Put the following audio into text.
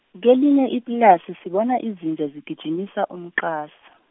kelinye ipulasi, sibona izinja zigijimisa umqasa.